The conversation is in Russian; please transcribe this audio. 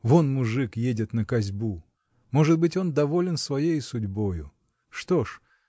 Вон мужик едет на косьбу; может быть, он доволен своей судьбою. Что ж?